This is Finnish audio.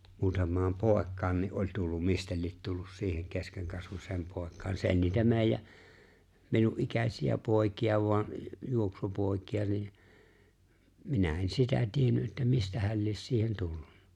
muutamaan poikaan niin oli tullut mistä lie tullut siihen keskenkasvuiseen poikaan se oli niitä meidän minun ikäisiä poikia vain juoksupoikia niin minä en sitä tiennyt että mistähän lie siihen tullut